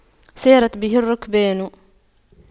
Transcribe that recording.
سارت به الرُّكْبانُ